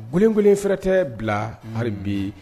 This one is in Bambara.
Gulengulen fɛrɛ tɛɛ bila hari bii